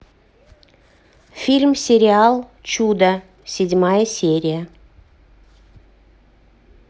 фильм сериал чудо седьмая серия